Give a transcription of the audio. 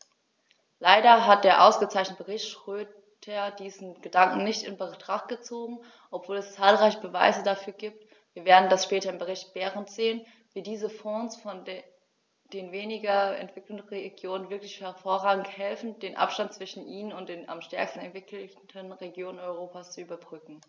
Leider hat der ausgezeichnete Bericht Schroedter diesen Gedanken nicht in Betracht gezogen, obwohl es zahlreiche Beweise dafür gibt - wir werden das später im Bericht Berend sehen -, wie diese Fonds den weniger entwickelten Regionen wirklich hervorragend helfen, den Abstand zwischen ihnen und den am stärksten entwickelten Regionen Europas zu überbrücken.